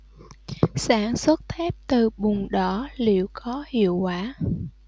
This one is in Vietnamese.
sản xuất thép từ bùn đỏ liệu có hiệu quả